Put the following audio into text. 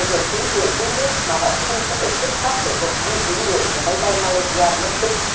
được tín hiệu dưới nước mà họ tin có thể xuất phát từ hộp ghi dữ liệu của máy bay ma lay ri a mất tích